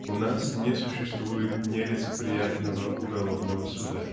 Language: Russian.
У нас не существует нелицеприятного уголовного суда